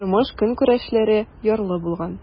Тормыш-көнкүрешләре ярлы булган.